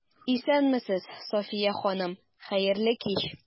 Исәнмесез, Сафия ханым, хәерле кич!